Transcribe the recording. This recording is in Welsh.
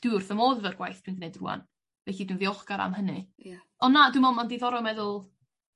dwi wrth fy modd efo'r gwaith dw i'n gwneud rŵan felly dwi'n ddiolchgar am hynny ie ond na dw'n me'wl ma'n diddorol meddwl